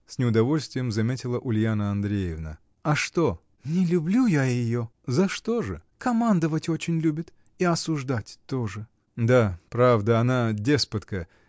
— с неудовольствием заметила Ульяна Андреевна. — А что? — Не люблю я ее! — За что же? — Командовать очень любит. и осуждать тоже. — Да, правда, она деспотка.